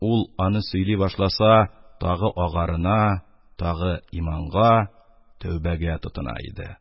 Ул аны сөйли башласа, тагы агарына, тагы иманга, тәүбәгә тотына иде.